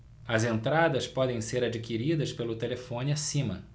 as entradas podem ser adquiridas pelo telefone acima